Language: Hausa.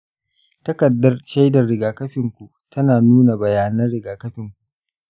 takardar shaidar rigakafin ku tana nuna bayanan rigakafin ku.